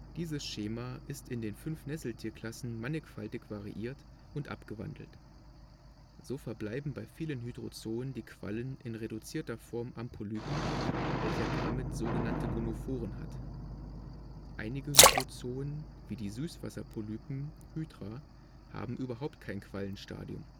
Dieses Schema ist in den fünf Nesseltier-Klassen mannigfaltig variiert und abgewandelt. So verbleiben bei vielen Hydrozoen die Quallen in reduzierter Form am Polypen, welcher damit so genannte Gonophoren hat. Einige Hydrozoen, wie die Süßwasserpolypen (Hydra) haben überhaupt kein Quallenstadium